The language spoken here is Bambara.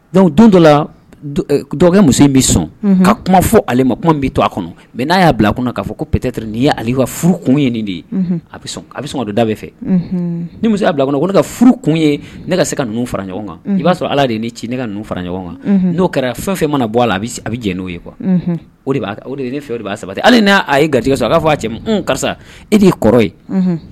Dɔnku don dɔ la dɔgɔ muso in bɛ sɔn ka kuma fɔ ale ma kuma bɛ to a kɔnɔ mɛ n'a'a bila kun k'a fɔ ko ptɛteri n' ye furu kun ye nin de ye sɔn a bɛ sɔn don da fɛ ni muso' bila kɔnɔ ko ne ka furu kun ye ne ka se ka fara ɲɔgɔn kan i b'a sɔrɔ ala de ni ci ne ka fara ɲɔgɔn kan n'o kɛra fɛn fɛn mana bɔ a la a bɛ jɛ n'o ye kuwa o de ne fɛ o de b'a saba hali n'a y ye garijɛ sɔrɔ a'a fɔ a cɛ karisa e de ye kɔrɔ ye